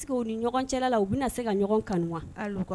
U ni ɲɔgɔn cɛlala la u bɛna se ka ɲɔgɔn kanu wa